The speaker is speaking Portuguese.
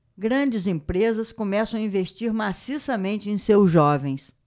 grandes empresas começam a investir maciçamente em seus jovens